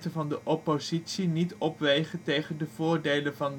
van de oppositie niet opwegen tegen de voordelen van